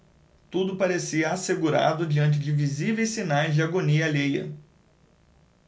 tudo parecia assegurado diante de visíveis sinais de agonia alheia